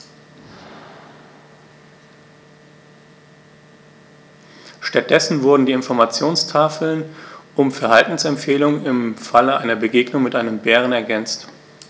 Stattdessen wurden die Informationstafeln um Verhaltensempfehlungen im Falle einer Begegnung mit dem Bären ergänzt.